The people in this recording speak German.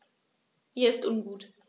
Mir ist ungut.